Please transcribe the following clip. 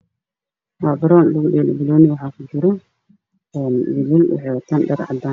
Waa garoon lugu dheelo banooni waxaa joogo wiilal waxay wataan dhar cadaan ah.